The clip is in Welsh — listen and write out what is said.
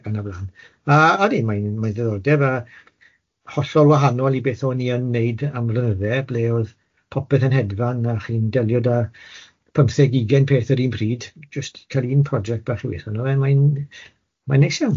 Yy ydi mae'n mae'n ddiddordeb a hollol wahanol i beth o'n i yn neud am flynydde ble o'dd popeth yn hedfan a chi'n delio 'da pymtheg ugen peth ar un pryd, jyst ca'l un project bach i weitho arno fe, mae'n mae'n neis iawn.